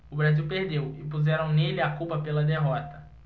o brasil perdeu e puseram nele a culpa pela derrota